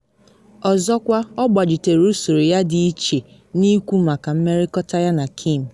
Ọzọkwa ọ gbachitere usoro ya dị iche n’ikwu maka mmerịkọta yana Kim.